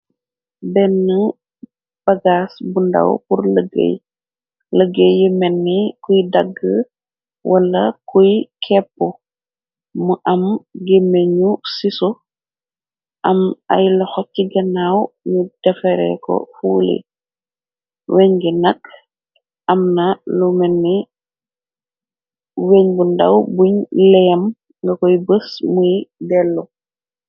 benn bagaas bu ndaw xur lëggéey yi menni kuy dagg wala kuy kepp mu am gémeñu siso am ay la xocc ganaaw ñu defare ko fuuli weñ gi nak am na lu weñ bu ndàw buñ leem nga kuy bës muy dellu